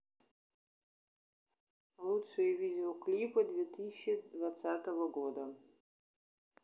лучшие видеоклипы две тысячи двадцатого года